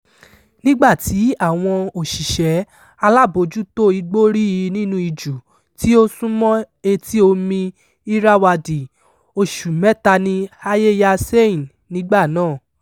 Nígbà tí àwọn òṣìṣẹ́ alábòójútó igbó rí i nínú ijù tí ó sún mọ́ Etí-omi Irrawaddy, oṣù mẹ́ta ni Ayeyar Sein nígbà náà.